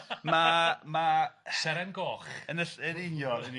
Ma' ma'... Seren Goch... yn y ll- yn union yn union.